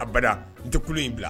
A ba n tɛ tulo in bila